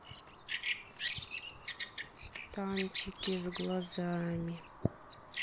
танчики с глазами